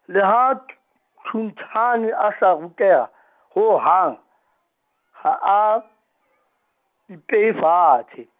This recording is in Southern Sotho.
le ha Th-, Thuntshane a sa ruteha , ho hang, ha a, I peye fatse.